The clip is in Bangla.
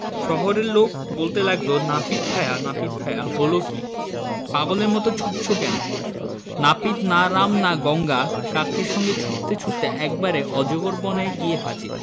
শহরের লোক বলতে লাগল নাপিত ভায়া নাপিত ভায়া হল কী পাগলের মতো ছুটছ কেন নাপিত না রাম না গঙ্গা কাকের সঙ্গে ছুটতে ছুটতে একেবারে অজগর বনে গিয়ে হাজির